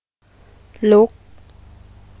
ลุก